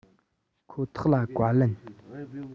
ཁོ ཐག ལ བཀའ ལན